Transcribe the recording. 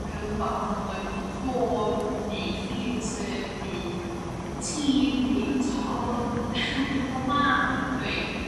Mi odd o wbath gwhanol doedd oedd o'n cor ne theatr neu tîm neu t'o' odd o'n bob math o betha doedd?